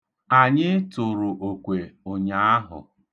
Anyị tụrụ okwe ụnyaahụ.